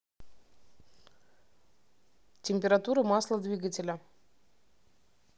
температура масла двигателя